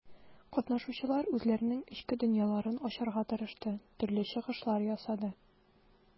Катнашучылар үзләренең эчке дөньяларын ачарга тырышты, төрле чыгышлар ясады.